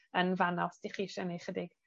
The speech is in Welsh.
yn fan 'na os dych chi isie neu' chydig